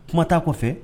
Kuma' kɔfɛ